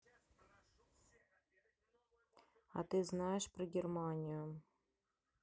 а ты знаешь про германию